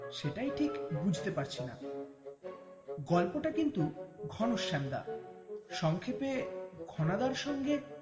সেটাই ঠিক বুঝতে পারছি না গল্পটা কিন্তু ঘনশ্যাম দার সংক্ষেপে ঘনাদার সঙ্গে